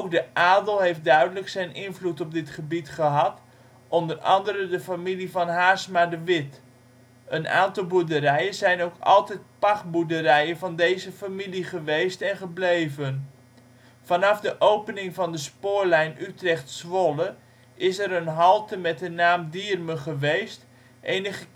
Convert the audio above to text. de adel heeft duidelijk zijn invloed op dit gebied gehad, onder andere de familie van Haersma de With. Een aantal boerderijen zijn ook altijd pachtboerderijen van deze familie geweest en gebleven. Vanaf de opening van de spoorlijn Utrecht-Zwolle is er een halte met de naam Diermen geweest (enige